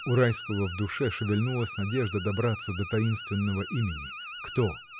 У Райского в душе шевельнулась надежда добраться до таинственного имени: кто!